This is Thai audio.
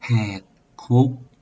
แหกคุก